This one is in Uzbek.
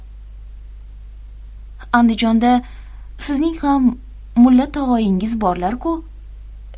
andijonda sizning ham mulla tog'oyingiz borlar ku